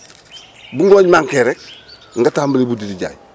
bu ngooñ manqué rek nga tambali buddi di jaay